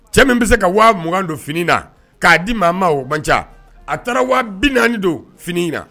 Cɛ min bɛ se ka waa mugan don fini na k'a di maa ma o man ca a taara waa bi naani don fini na